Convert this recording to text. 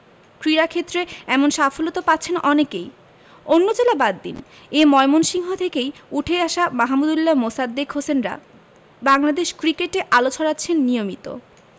ক্রীড়াক্ষেত্রে এমন সাফল্য তো পাচ্ছেন অনেকেই অন্য জেলা বাদ দিন এ ময়মনসিংহ থেকেই উঠে আসা মাহমুদউল্লাহ মোসাদ্দেক হোসেনরা বাংলাদেশ ক্রিকেটে আলো ছড়াচ্ছেন নিয়মিত